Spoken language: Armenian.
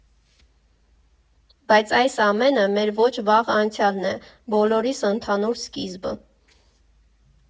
Բայց այս ամենը մեր ոչ վաղ անցյալն է, բոլորիս ընդհանուր սկիզբը։